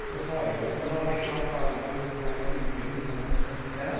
well, sorry, ha- have you not like had that one little second where you've given someone a stinker?